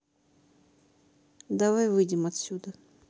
давай выйдем отсюда